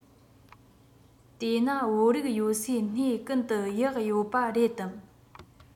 དེ ན བོད རིགས ཡོད སའི གནས ཀུན ཏུ གཡག ཡོད པ རེད དམ